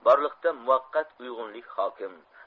borliqda muvaqqat uyg'unlik hokim